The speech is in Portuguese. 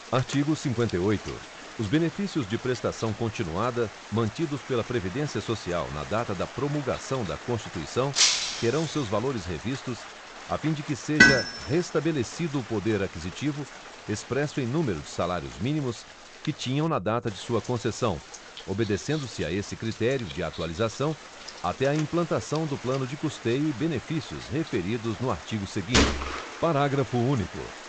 artigo cinquenta e oito os benefícios de prestação continuada mantidos pela previdência social na data da promulgação da constituição terão seus valores revistos a fim de que seja restabelecido o poder aquisitivo expresso em número de salários mínimos que tinham na data de sua concessão obedecendo se a esse critério de atualização até a implantação do plano de custeio e benefícios referidos no artigo seguinte parágrafo único